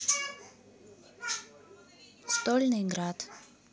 стольный град